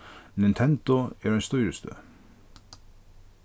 nintendo er ein stýristøð